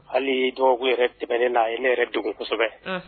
Hali dɔgɔ yɛrɛ tɛmɛ ne na ye ne yɛrɛ don kosɛbɛ